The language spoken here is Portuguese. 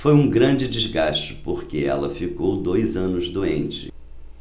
foi um grande desgaste porque ela ficou dois anos doente